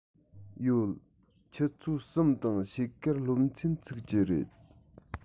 ཡོད ཆུ ཚོད གསུམ དང ཕྱེད ཀར སློབ ཚན ཚུགས ཀྱི རེད